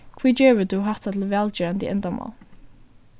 hví gevur tú hatta til vælgerandi endamál